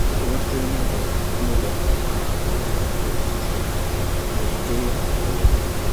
O'r Drenewydd cymerwch yr a pedwar wyth tri i'r de orllewin